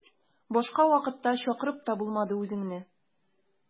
Башка вакытта чакырып та булмады үзеңне.